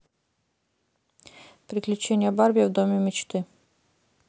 приключения барби в доме мечты